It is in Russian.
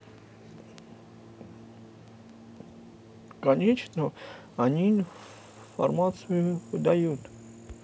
конечно они информацию дают